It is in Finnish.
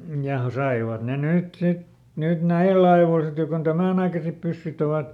ja saivat ne nyt sitten nyt näillä ajoilla sitten jo kun tämänaikaiset pyssyt ovat